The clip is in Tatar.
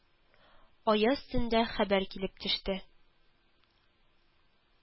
Аяз төндә хәбәр килеп төште